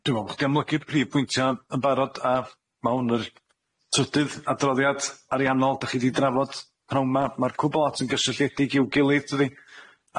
A dwi me'wl bo' chdi amlygu'r prif pwyntia' yn barod a ma hwn yr trydydd adroddiad ariannol 'dach chi 'di drafod pnown ma' ma'r cwbwl at yn gysylltiedig i'w gilydd dydi?